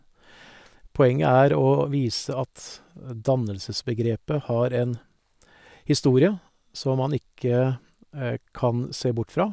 Poenget er å vise at dannelsesbegrepet har en historie, så man ikke kan se bort fra.